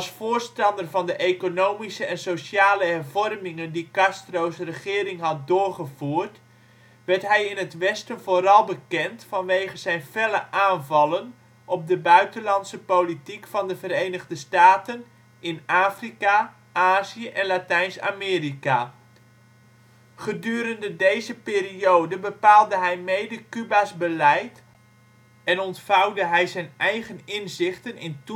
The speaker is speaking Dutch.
voorstander van de economische en sociale hervormingen die Castro 's regering had doorgevoerd, werd hij in het Westen vooral bekend vanwege zijn felle aanvallen op de buitenlandse politiek van de Verenigde Staten in Afrika, Azië en Latijns-Amerika. Gedurende deze periode bepaalde hij mede Cuba 's beleid en ontvouwde hij zijn eigen inzichten in toespraken